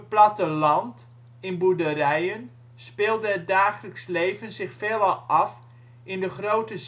platteland, in boerderijen, speelde het dagelijks leven zich veelal af in de grote zit/woonkeuken